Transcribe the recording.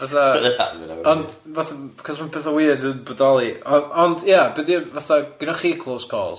Na ma' hynna'n wir. Fatha ond fatha cos ma' petha weird yn bodoli ond ia be di'r fatha gennoch chi close calls?